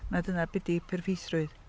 Mai dyna be 'di perffeithrwydd.